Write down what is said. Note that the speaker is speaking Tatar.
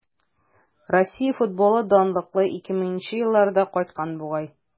Россия футболы данлыклы 2000 нче елларга кайткан бугай.